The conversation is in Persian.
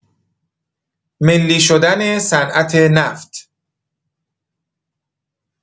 ملی شدن صنعت‌نفت